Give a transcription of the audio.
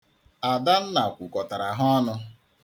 Adanna kwukọtara ha ọnụ.